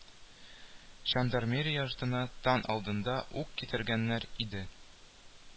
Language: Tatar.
Жандармерия йортына таң алдында ук китергәннәр иде